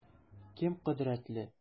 Кем кодрәтле?